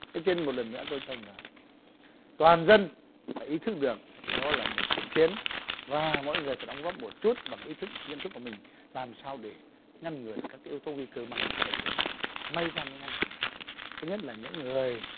cho nên một lần nữa tôi cho rằng là toàn dân phải ý thức được đó là một trận chiến và mọi người phải đóng góp một chút bằng ý thức nhận thức của mình làm sao để ngăn ngừa các yếu tố nguy cơ mang mầm bệnh đến may ra mới ngăn chặn thật thứ nhất là những người